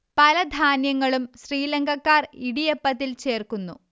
പല ധാന്യങ്ങളും ശ്രീലങ്കക്കാർ ഇടിയപ്പത്തിൽ ചേർക്കുന്നു